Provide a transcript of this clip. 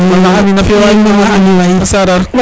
Maman Amy nam fio waay Maman Amy o Sarare